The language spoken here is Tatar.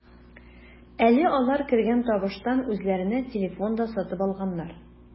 Әле алар кергән табыштан үзләренә телефон да сатып алганнар.